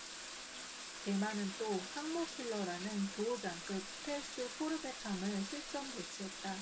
대만은 또 항모킬러라는 두오장급 스텔스 코르벳함을 실전배치했다